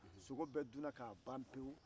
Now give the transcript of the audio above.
sogo bɛɛ dunna k'a ban pewu